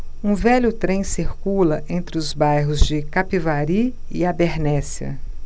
um velho trem circula entre os bairros de capivari e abernéssia